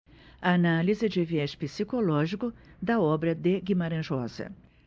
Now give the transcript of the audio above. análise de viés psicológico da obra de guimarães rosa